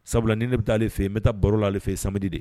Sabula ni ne bɛ taa ale fɛ yen n bɛ taa baro ale fɛ sabalidi de